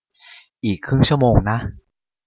อีกครึ่งชั่วโมงนะ